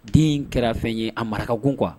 Den in kɛrafɛn ye a mara g kuwa